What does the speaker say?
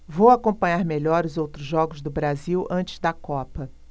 vou acompanhar melhor os outros jogos do brasil antes da copa